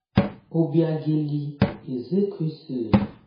Obiageli Ezekwesili